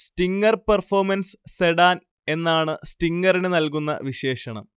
Stinger performance sedan എന്നാണ് സ്റ്റിങ്ങറിന് നൽകുന്ന വിശേഷണം